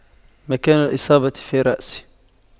مكان الإصابة في رأسي